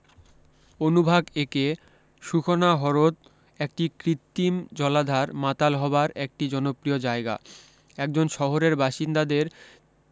অনুভাগ একে সুখনা হরদ একটি কৃত্রিম জলাধার মাতাল হবার একটি জনপ্রিয় জায়গা একজন শহরের বাসিন্দাদের